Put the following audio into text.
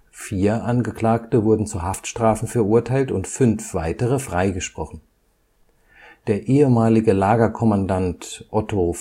Vier Angeklagte wurden zu Haftstrafen verurteilt und fünf weitere freigesprochen. Der ehemalige Lagerkommandant Otto